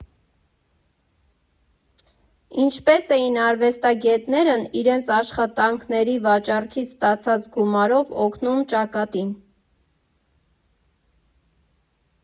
Ինչպես էին արվեստագետներն իրենց աշխատանքների վաճառքից ստացած գումարով օգնում ճակատին։